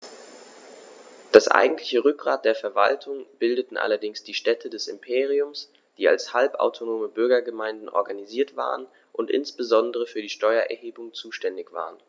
Das eigentliche Rückgrat der Verwaltung bildeten allerdings die Städte des Imperiums, die als halbautonome Bürgergemeinden organisiert waren und insbesondere für die Steuererhebung zuständig waren.